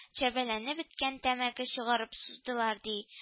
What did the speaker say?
Чәбәләнеп беткән тәмәке чыгарып суздылар, ди